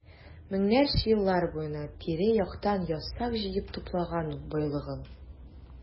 Меңнәрчә еллар буена тирә-яктан ясак җыеп туплаган ул байлыгын.